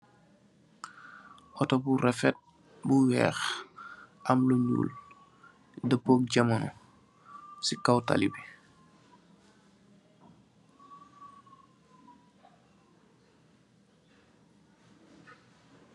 Auto bu rafet, bu wèèx am lu ñuul ci kaw tali bi dapóók jamano.